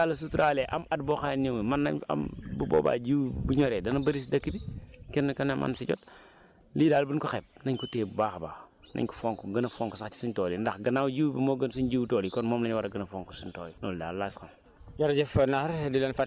picc yi nag day am at ñu ñëw rek bu ñu yàlla suturaalee am at boo xam ni moom mën nañ am bu boobaa jiw bu ñoree dana bëri si dëkk bi kenn ku ne mën si jot lii daal buñ ko xeeb nañ ko téye bu baax a baax nañ ko fonk gën a fonk sax ci suñ tool yi ndax gannaaw jiw bi moo gën suñ jiwu tool yi kon moom lañ war a gën a fonk suñ tool yi loolu daal laa si xam